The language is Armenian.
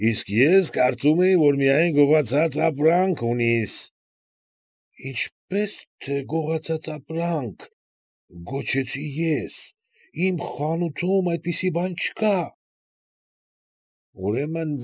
Իսկ ես կարծում էի, որ միայն գողացած ապրանք ունիս։ ֊ Ինչպե՞ս թե գողացած ապրանք,֊ գոչեցի ես,֊ իմ խանութում այդպիսի բան չկա։ ֊ Ուրեմն։